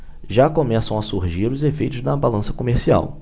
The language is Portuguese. já começam a surgir os efeitos na balança comercial